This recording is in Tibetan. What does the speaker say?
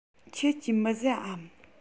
ཁྱེད ཀྱིས མི ཟ འམ